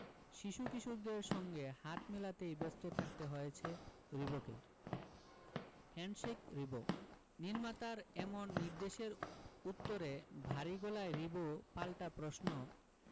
শিশু কিশোরদের সঙ্গে হাত মেলাতেই ব্যস্ত থাকতে হয়েছে রিবোকে হ্যান্ডশেক রিবো নির্মাতার এমন নির্দেশের উত্তরে ভারী গলায় রিবো পাল্টা প্রশ্ন